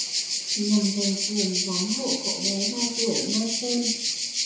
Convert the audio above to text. nhằm giành quyền giám hộ cậu bé ba tuổi mason